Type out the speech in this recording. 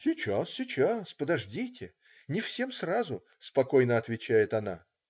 "Сейчас, сейчас, подождите, не всем сразу,- спокойно отвечает она.